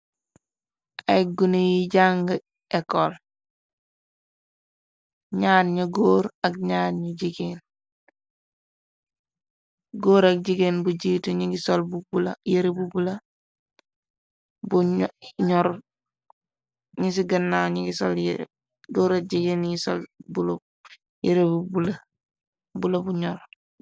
Ay gune yi jànga ekole ñaar ñu góor ak ñaar ñu jigeen góor ak jigéen bu jiitu nyugi sol bu bulu yëre bu bulu bu noor nyu ci gënnaw ñingi sol yere goor ak jigéen yi sol bulu yere bu bulu bulu bu ñoor.